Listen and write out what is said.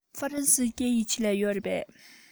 ཧྥ རན སིའི སྐད ཡིག ཆེད ལས ཡོད རེད པས